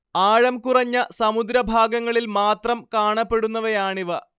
ആഴംകുറഞ്ഞ സമുദ്രഭാഗങ്ങളിൽ മാത്രം കാണപ്പെടുന്നവയാണിവ